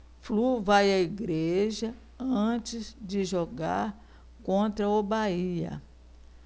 flu vai à igreja antes de jogar contra o bahia